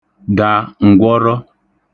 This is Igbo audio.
dà ǹgwọrọ